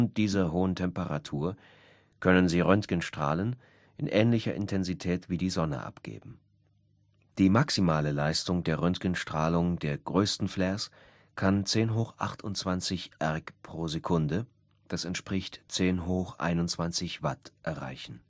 dieser hohen Temperatur können sie Röntgenstrahlen in ähnlicher Intensität wie die Sonne abgeben. Die maximale Leistung der Röntgenstrahlung der größten Flares kann 1028 erg/s (1021 W) erreichen